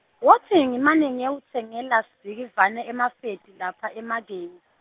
wotsi ngimane ngiyotsengela Sibhikivane emafeti lapha emake.